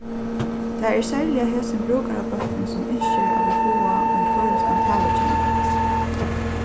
tað er serliga hesin brúkarabólkurin sum ynskir at vit fáa ein føroyskan talukennara